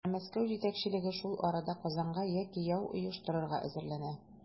Ә Мәскәү җитәкчелеге шул арада Казанга яңа яу оештырырга әзерләнә.